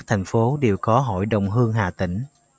thành phố đều có hội đồng hương hà tĩnh